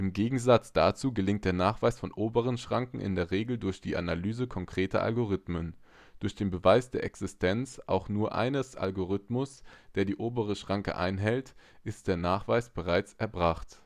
Gegensatz dazu gelingt der Nachweis von oberen Schranken in der Regel durch die Analyse konkreter Algorithmen. Durch den Beweis der Existenz auch nur eines Algorithmus, der die obere Schranke einhält, ist der Nachweis bereits erbracht